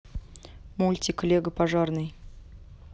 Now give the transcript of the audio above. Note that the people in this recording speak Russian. мультик лего пожарный